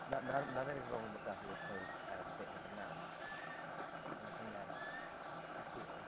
'Na 'na 'na'r unig broblem oedd 'da fi wrth wneud yym Beethoven naw yym yn y cyngerdd dydd Sul.